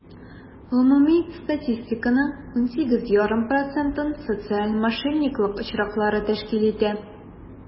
Гомуми статистиканың 18,5 процентын социаль мошенниклык очраклары тәшкил итә.